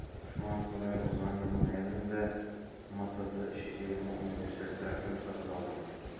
Шуңа күрә узган елның ноябрендә МТЗ 320 универсаль тракторын сатып алдык.